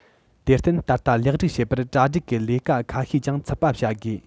དེར བརྟེན ད ལྟ ལེགས སྒྲིག བྱེད པར གྲ སྒྲིག གི ལས ཀ ཁ ཤས ཀྱང ཚུད པ བྱ དགོས